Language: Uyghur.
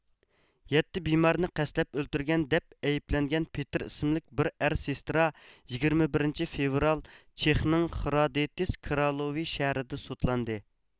يەتتە بىمارنى قەستلەپ ئۆلتۈرگەن دەپ ئەيىبلەنگەن پېتىر ئىسىملىك بىر ئەر سېسترا يىگىرمە بىرىنچى فېۋرال چېخنىڭ خرادېتس كرالوۋې شەھىرىدە سوتلاندى